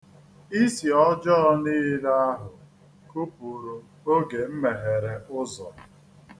Isi ọjọọ niile ahụ kupụrụ oge m meghere ụzọ.